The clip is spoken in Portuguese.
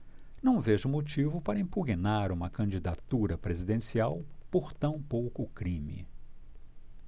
não vejo motivo para impugnar uma candidatura presidencial por tão pouco crime